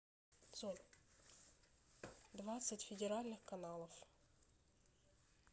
двадцать федеральных каналов